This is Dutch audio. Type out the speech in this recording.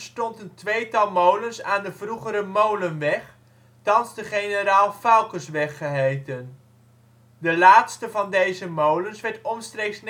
tweetal molens aan de vroegere Molenweg, thans de Generaal Foulkesweg geheten. De laatste van deze molens werd omstreeks